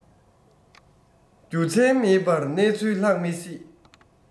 རྒྱུ མཚན མེད པར གནས ཚུལ ལྷག མི སྲིད